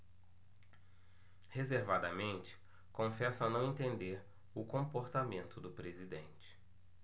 reservadamente confessa não entender o comportamento do presidente